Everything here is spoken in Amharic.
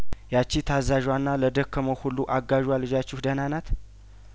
ያቺ ታዛዧና ለደከመው ሁሉ አጋዧ ልጀችሁ ደህና ናት